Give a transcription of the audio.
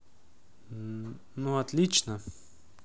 ну отлично